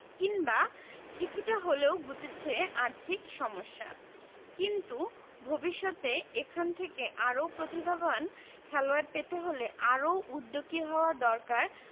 কিংবা কিছুটা হলেও ঘুচেছে আর্থিক সমস্যা কিন্তু ভবিষ্যতে এখান থেকে আরও প্রতিভাবান খেলোয়াড় পেতে হলে আরও উদ্যোগী হওয়া দরকার